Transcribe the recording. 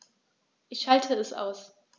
Ich schalte es aus.